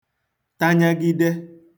tanyagide